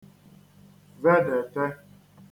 vedète